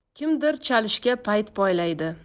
kimdir chalishga payt poylaydi